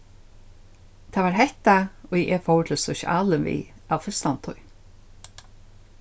tað var hetta ið eg fór til sosialin við av fyrstan tíð